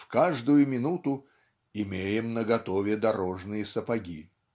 в каждую минуту "имеем наготове дорожные сапоги"